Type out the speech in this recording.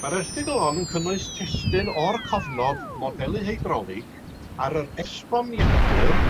ma'r erthygl hon yn cynnwys testun o'r cofnod modelu heidrolig ar yr esboniadur